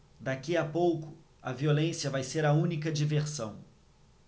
daqui a pouco a violência vai ser a única diversão